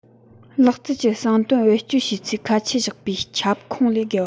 ལག རྩལ གྱི གསང དོན བེད སྤྱོད བྱས ཚུལ ཁ ཆད བཞག པའི ཁྱབ ཁོངས ལས བརྒལ བ